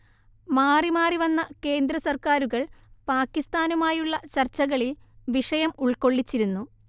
മാറിമാറി വന്ന കേന്ദ്രസർക്കാരുകൾ പാകിസ്താനുമായുള്ള ചർച്ചകളിൽ വിഷയം ഉൾക്കൊള്ളിച്ചിരുന്നു